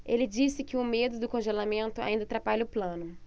ele disse que o medo do congelamento ainda atrapalha o plano